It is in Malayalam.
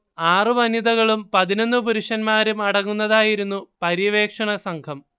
ആറു വനിതകളും പതിനൊന്നു പുരുഷന്മാരും അടങ്ങുന്നതായിരുന്നു പര്യവേക്ഷണ സംഘം